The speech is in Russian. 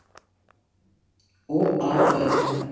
о а бэ